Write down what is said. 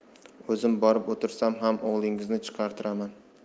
o'zim borib o'tirsam ham o'g'lingizni chiqartiraman